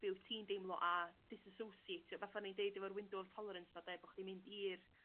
be' wyt ti'n deimlo a disasosiatio fatha o'n i'n deud efo'r window of tolerance 'na 'de bo' chdi mynd i'r